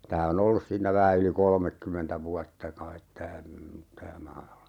tämä on ollut siinä vähän yli kolmekymmentä vuotta kai tämä tämä maa-ala